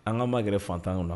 An ŋ'an magɛrɛ fantan nu na